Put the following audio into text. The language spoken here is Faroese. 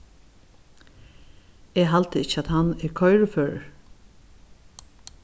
eg haldi ikki at hann er koyriførur